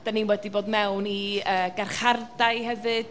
dan ni wedi bod mewn i garchardai hefyd,